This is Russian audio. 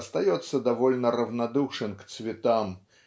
остается довольно равнодушен к цветам